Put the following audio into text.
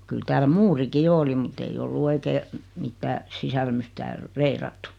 kyllä täällä muurikin jo oli mutta ei ollut oikein mitään sisälmys täällä reilattu